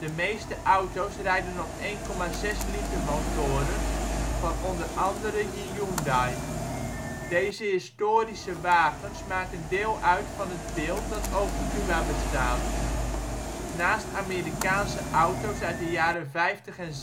meeste auto 's rijden op 1,6 liter motoren van onder andere Hyundai. Deze historische wagens maken deel uit van het beeld dat over Cuba bestaat. Naast Amerikaanse auto 's uit de jaren 50 en 60 rijden er ook een